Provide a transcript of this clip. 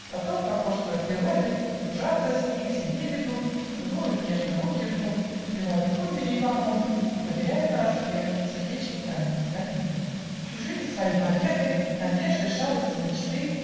Потом, покорствуя природе, Дружатся с ней, к себе ведут, Целуют, нежно руки жмут, Взбивают кудри ей по моде И поверяют нараспев Сердечны тайны, тайны дев, Чужие и свои победы, Надежды, шалости, мечты.